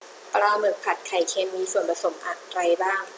ปลาหมึกผัดไข่เค็มมีส่วนผสมอะไรบ้าง